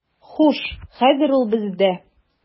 Хуш, хәзер ул бездә.